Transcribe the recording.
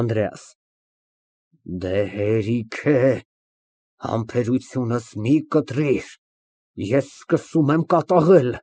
ԱՆԴՐԵԱՍ ֊ Դե, հերիք է, համբերությունս մի կտրիր, ես սկսում եմ կատաղել։